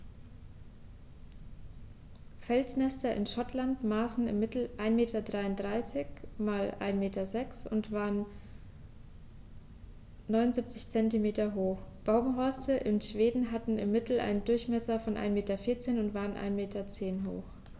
Felsnester in Schottland maßen im Mittel 1,33 m x 1,06 m und waren 0,79 m hoch, Baumhorste in Schweden hatten im Mittel einen Durchmesser von 1,4 m und waren 1,1 m hoch.